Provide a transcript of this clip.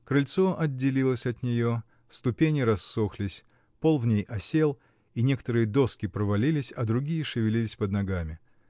Крыльцо отделилось от нее, ступени рассохлись, пол в ней осел, и некоторые доски провалились, а другие шевелились под ногами.